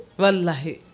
wallahi